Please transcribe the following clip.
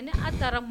Ni taara